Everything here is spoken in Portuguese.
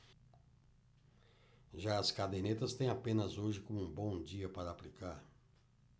já as cadernetas têm apenas hoje como um bom dia para aplicar